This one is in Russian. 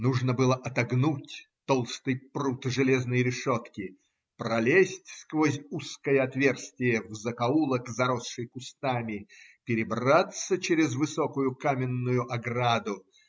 Нужно было отогнуть толстый прут железной решетки, пролезть сквозь узкое отверстие в закоулок, заросший кустами, перебраться через высокую каменную ограду.